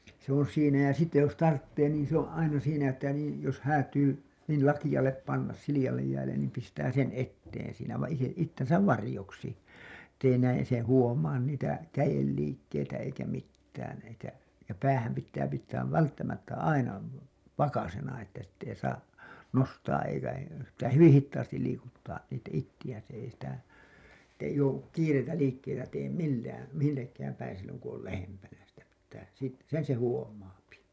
se on siinä ja sitten jos tarvitsee niin se on aina siinä että niin jos häätyy niin lakealle panna sileälle jäälle niin pistää sen eteen siinä -- itsensä varjoksi että ei näin se huomaa niitä kädenliikkeitä eikä mitään eikä ja päähän pitää pitää välttämättä aina vakaisena että sitten ei saa nostaa eikä heiluttaa se pitää hyvin hitaasti liikuttaa - itseään se ei sitä että ei joudu kiireitä liikkeitä tee millään millekään päin silloin kun on lähempänä sitä pitää - sen se huomaa